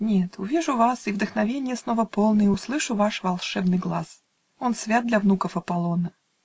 нет, увижу вас И, вдохновенья снова полный, Услышу ваш волшебный глас! Он свят для внуков Аполлона